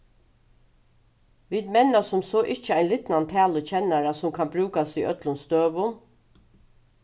vit menna sum so ikki ein lidnan talukennara sum kann brúkast í øllum støðum